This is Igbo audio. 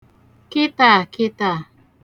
kịtaàkịtaà